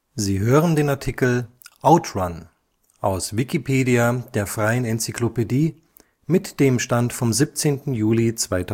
Sie hören den Artikel Out Run, aus Wikipedia, der freien Enzyklopädie. Mit dem Stand vom Der